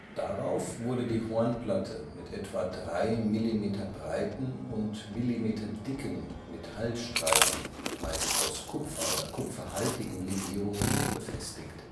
Darauf wurde die Hornplatte mit etwa 3 mm breiten und millimeterdicken Metallstreifen (meist aus Kupfer oder kupferhaltigen Legierungen) befestigt